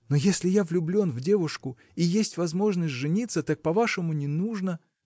– Но если я влюблен в девушку и есть возможность жениться так по-вашему не нужно.